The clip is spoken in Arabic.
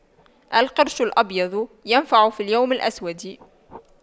القرش الأبيض ينفع في اليوم الأسود